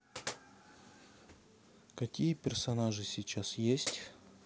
какие персонажи сейчас есть